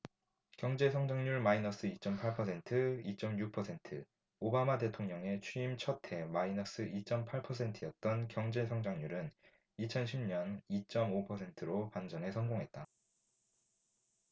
경제성장률 마이너스 이 쩜 팔 퍼센트 이 쩜 육 퍼센트 오바마 대통령의 취임 첫해 마이너스 이 쩜 팔 퍼센트였던 경제 성장률은 이천 십 년 이 쩜 오 퍼센트로 반전에 성공했다